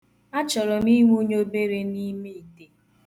Achọrọ m iwunye obere n'ime ite.